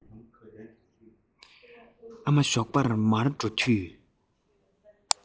ཨ མ ཞོགས པར མར འགྲོ དུས